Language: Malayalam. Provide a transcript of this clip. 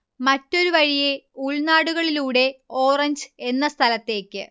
മറ്റൊരു വഴിയെ, ഉൾനാടുകളിലൂടെ, ഓറഞ്ച് എന്ന സ്ഥലത്തേക്ക്